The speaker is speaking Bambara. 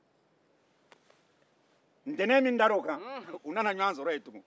ntɛnɛn min dara o kan u nana ɲɔgɔn sɔrɔ yen tugun